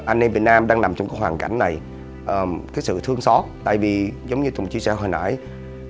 anh em việt nam đang nằm trong cái hoàn cảnh này cái sự thương xót tại vì giống như tùng chia sẻ hồi nãy